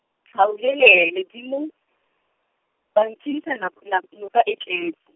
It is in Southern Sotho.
hao helele Dimo, ba ntshedisa nak-, nak- noka e tletse.